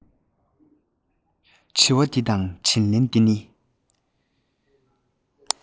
དྲི བ འདི དང དྲིས ལན འདི ནི